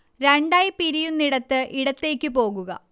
രണ്ടായ് പിരിയുന്നിടത്ത് ഇടത്തേക്ക് പോകുക